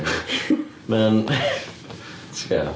... Mae o'n ti'n gwbod.